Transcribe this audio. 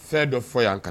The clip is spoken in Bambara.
Fɛn dɔ fɔ yan ka